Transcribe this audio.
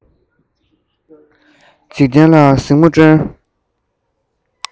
འཇིག རྟེན ལ གཟིགས མོ སྤྲོ ན